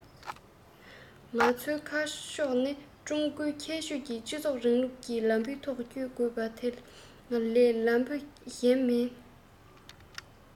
ང ཚོའི ཁ ཕྱོགས ནི ཀྲུང གོའི ཁྱད ཆོས ཀྱི སྤྱི ཚོགས རིང ལུགས ཀྱི ལམ བུའི ཐོག བསྐྱོད དགོས པ དེ ལས ལམ བུ གཞན མིན